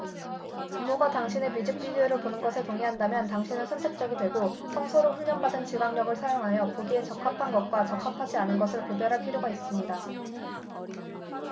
부모가 당신이 뮤직 비디오를 보는 것에 동의한다면 당신은 선택적이 되고 성서로 훈련받은 지각력을 사용하여 보기에 적합한 것과 적합하지 않은 것을 구별할 필요가 있습니다